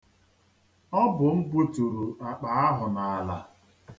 Ọ bụ m buturu akpa ahụ n'ala.